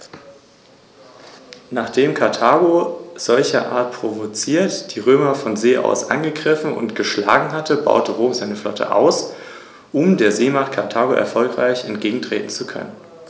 Der Sieg über Karthago im 1. und 2. Punischen Krieg sicherte Roms Vormachtstellung im westlichen Mittelmeer.